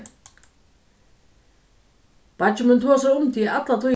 beiggi mín tosar um teg alla tíðina